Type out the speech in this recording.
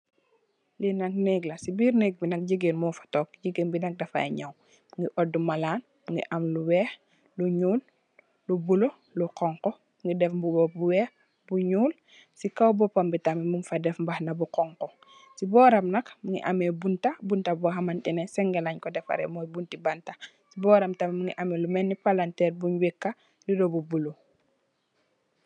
Linak nekla si birr nekbi nak gigeen mofa tok. Gigeen binak dafayy nyaw mungi oddu malan, mungi am lu wekh, lu nyul, lu bula, lu xonxu mungi deff buba bu wekh, bu nyul. Si kaw boppambi tam mungfa deff mbahna bu xonxu. Si borramnak mungi ameh binda, bunta bo xamantaneh senga lenko defareh, Moy bunti banta. Boram tamit mungi ameh lumelni palanterr buny wekka riddo bu bulo.